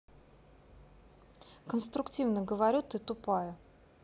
конструктивно говорю ты тупая